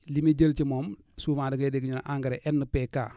li muy jël ci moom souvent da ngay dégg ñu ne engrais NPK